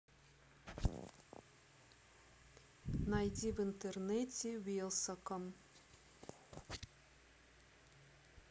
найди в интернете wylsacom